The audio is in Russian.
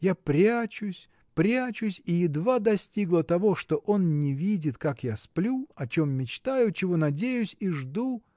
Я прячусь, прячусь, и едва достигла того, что он не видит, как я сплю, о чем мечтаю, чего надеюсь и жду.